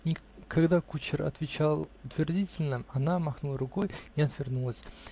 И когда кучер отвечал утвердительно, она махнула рукой и отвернулась.